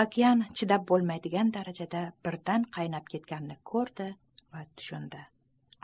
okean chidab bo'lmaydigan darajada birdan qaynab ketganini ko'rdi va tushundi